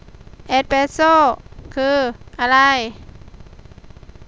เอสเปสโซ่คืออะไร